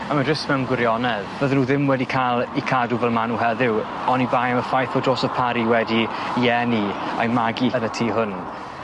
A ma jyst mewn gwirionedd fydden nw ddim wedi ca'l 'u cadw fel ma' nw heddiw onibai am y ffaith bo' Joseph Parry wedi 'i eni a'i magu yn y tŷ hwn.